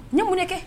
Min mun kɛ